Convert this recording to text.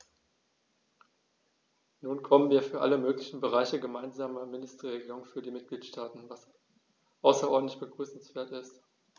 Nun bekommen wir für alle möglichen Bereiche gemeinsame Mindestregelungen für die Mitgliedstaaten, was außerordentlich begrüßenswert ist.